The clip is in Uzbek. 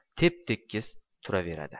tep tekis turaveradi